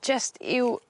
jyst i'w